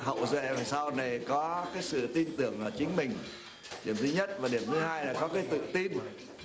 hậu duệ sau này có cái sự tin tưởng ở chính mình điểm thứ nhất và điểm thứ hai là có cái tự tin